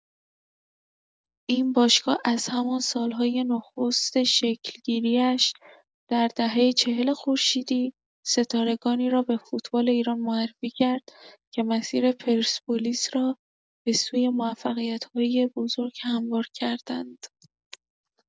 این باشگاه از همان سال‌های نخست شکل‌گیری‌اش در دهه چهل خورشیدی، ستارگانی را به فوتبال ایران معرفی کرد که مسیر پرسپولیس را به سوی موفقیت‌های بزرگ هموار کردند.